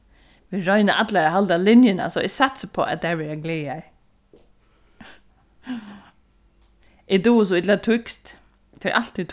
vit royna allar at halda linjuna so eg satsi upp á at tær verða glaðar eg dugi so illa týskt tað er altíð